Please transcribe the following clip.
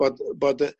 bod bod y